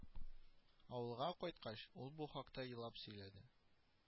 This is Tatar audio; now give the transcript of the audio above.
Авылга кайткач, ул бу хакта елап сөйләде